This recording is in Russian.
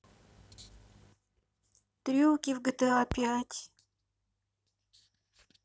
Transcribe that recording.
трюки в гта пять